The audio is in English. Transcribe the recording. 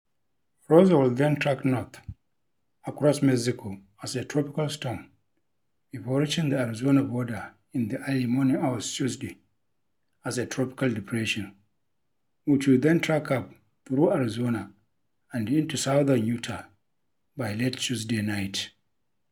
Rosa will then track north across Mexico as a tropical storm before reaching the Arizona border in the early morning hours Tuesday as a tropical depression, which will then track up through Arizona and into southern Utah by late Tuesday night.